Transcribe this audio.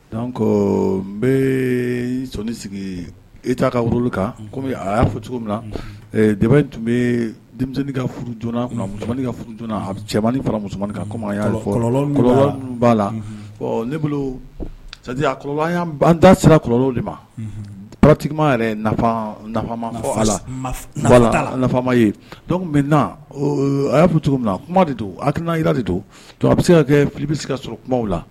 Ko n bɛ sonni sigi e t' ka woro kan kɔmi a y'a fɔ cogo min na deba in tun bɛ denmisɛnnin ka a cɛmani fara muso'a la ne bolo an da sira kɔrɔ de ma patima yɛrɛ nafama ye na a'a cogo min na kuma de don a tɛna' jirara de don tu bɛ se ka kɛ fili bɛ se ka sɔrɔ kumaw la